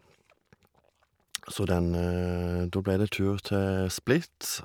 Så den da ble det tur til Split.